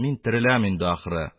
Мин тереләм инде, ахры.